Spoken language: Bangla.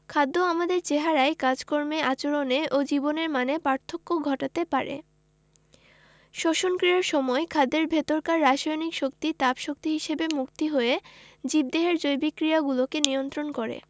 খাদ্য আমাদের চেহারায় কাজকর্মে আচরণে ও জীবনের মানে পার্থক্য ঘটাতে পারে শ্বসন ক্রিয়ার সময় খাদ্যের ভেতরকার রাসায়নিক শক্তি তাপ শক্তি হিসেবে মুক্তি হয়ে জীবদেহের জৈবিক ক্রিয়াগুলোকে নিয়ন্ত্রন করে